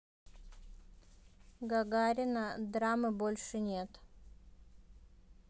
гагарина драмы больше нет